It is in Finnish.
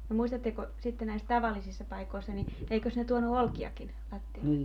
no muistatteko sitten näissä tavallisissa paikoissa niin eikös ne tuonut olkiakin lattialle